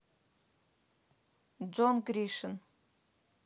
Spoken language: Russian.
джон гришин